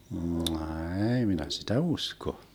ei minä sitä usko